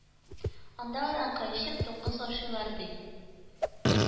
Анда аракы эчеп, дуңгыз ашыйлар , ди